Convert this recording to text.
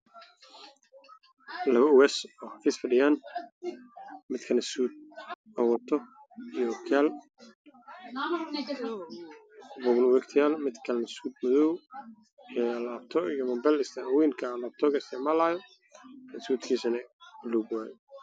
Labo ugaas oo xafiis fadhiyo oo wataan labo suud